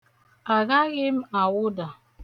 Agaghị m awụda!